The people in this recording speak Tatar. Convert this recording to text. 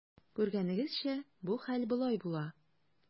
Күргәнегезчә, бу хәл болай була.